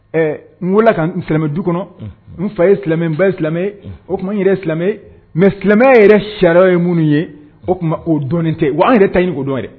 Ɛ n wolo ka n silamɛmɛ du kɔnɔ n fa ye silamɛ ba silamɛ o tuma n yɛrɛ silamɛ mɛ silamɛ yɛrɛ sariya ye minnu ye o tuma o dɔn tɛ wa an yɛrɛ ta ɲini o dɔn ye dɛ